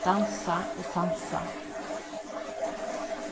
dansa og sansa